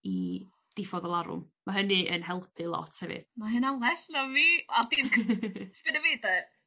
i diffodd y larwm ma' hynny yn helpu lot hefyd. Ma' hynna'n well na fi a dim c-... ...'sgenna fi 'de